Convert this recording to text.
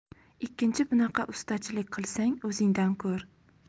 ikkinchi bunaqa ustachilik qilsang o'zingdan ko'r